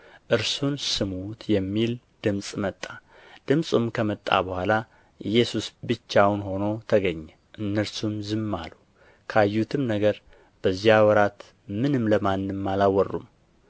እርሱን ስሙት የሚል ድምፅ መጣ ድምፁም ከመጣ በኋላ ኢየሱስ ብቻውን ሆኖ ተገኘ እነርሱም ዝም አሉ ካዩትም ነገር በዚያ ወራት ምንም ለማንም አላወሩም